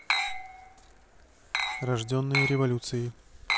рожденные революцией